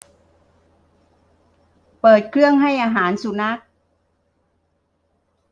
เปิดเครื่องให้อาหารสุนัข